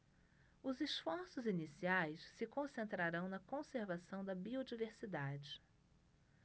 os esforços iniciais se concentrarão na conservação da biodiversidade